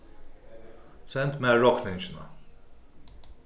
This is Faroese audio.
send mær rokningina